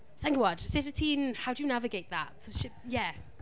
Sa i’n gwbod. Sut wyt ti'n, how do you navigate that? Fel sh- ie.